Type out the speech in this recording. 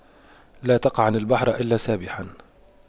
لا تقعن البحر إلا سابحا